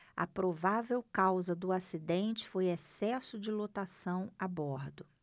a provável causa do acidente foi excesso de lotação a bordo